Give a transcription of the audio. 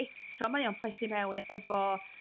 eto o mae o'n plethu mewn efo